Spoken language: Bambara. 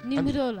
Ni